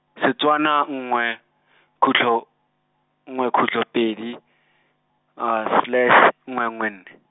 Setswana nngwe, khutlo, nngwe khutlo pedi, slash, nngwe nngwe nne.